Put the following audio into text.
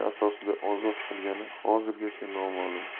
ozod qilgani hozirgacha noma'lum